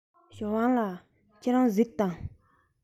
ཞའོ ཝང ལགས ཁྱེད རང གཟིགས དང